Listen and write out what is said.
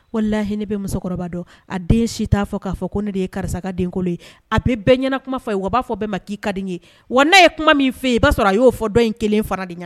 Walahi ne bɛ musokɔrɔba dɔn, a den si t'a fɔ k'a fɔ ko ne de ye karisa ka denkolo ye, a bɛ bɛɛ ɲɛna kuma fɔ a ye wa a b'a fɔ bɛɛ ma k'i ka di n ye, wa n’a ye kuma min f’e ye i b'a sɔrɔ a y'o fɔ dɔn in kelen fana de ɲɛna